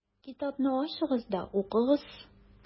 Китапны ачыгыз да укыгыз: